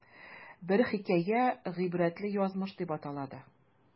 Бер хикәя "Гыйбрәтле язмыш" дип атала да.